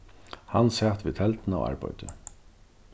hann sat við telduna og arbeiddi